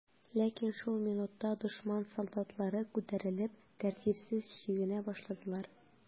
Ләкин шул минутта дошман солдатлары күтәрелеп, тәртипсез чигенә башладылар.